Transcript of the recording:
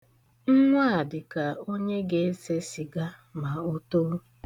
Nnwa a dị ka onye ga-ese sịga ma o too.